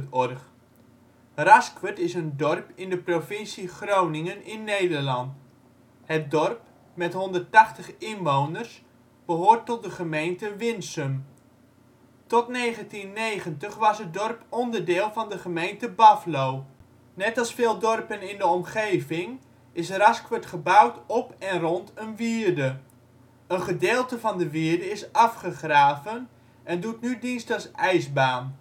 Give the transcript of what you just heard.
of Raskerd) is een dorp in de provincie Groningen in (Nederland). Het dorp, met 180 inwoners, behoort tot de gemeente Winsum. Tot 1990 was het dorp onderdeel van de gemeente Baflo. Net als veel dorpen in de omgeving is Rasquert gebouwd op en rond een wierde. Een gedeelte van de wierde is afgegraven en doet nu dienst als ijsbaan